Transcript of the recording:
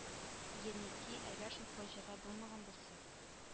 Еники әгәр шул фаҗига булмаган булса